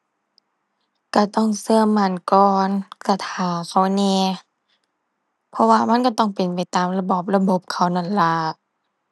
ก็ต้องก็มั่นก่อน ก็ท่าเขาแหน่ เพราะว่ามันก็ต้องเป็นไปตามระบอบระบบเขานั่นล่ะ